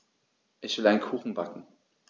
Ich will einen Kuchen backen.